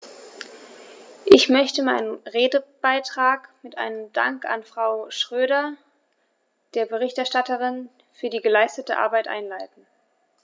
Ich möchte meinen Redebeitrag mit einem Dank an Frau Schroedter, der Berichterstatterin, für die geleistete Arbeit einleiten.